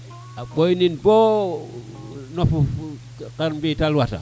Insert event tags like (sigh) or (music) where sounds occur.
a ɓoy nin bo (unintelligible)